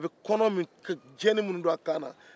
a bɛ chaine minnu don a kan na